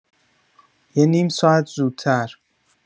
یه نیم ساعت زودتر